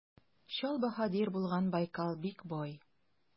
Чал баһадир булган Байкал бик бай.